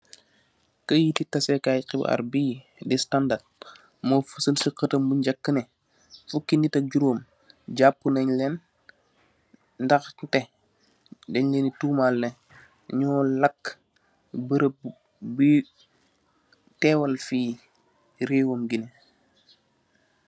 Kayit ti tasekai xibar bi di standard, mo fasal si xatam bu njakene fuki nit ak gurum japu nenlen, daxte dejleni tumal ne njo lakk barab bi tewal fi rewem Guine